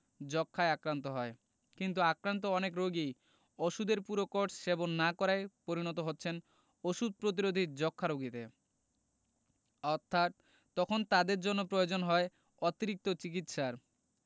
যক্ষ্মায় আক্রান্ত হয় কিন্তু আক্রান্ত অনেক রোগী ওষুধের পুরো কোর্স সেবন না করায় পরিণত হচ্ছেন ওষুধ প্রতিরোধী যক্ষ্মা রোগীতে অর্থাৎ তখন তাদের জন্য প্রয়োজন হয় অতিরিক্ত চিকিৎসার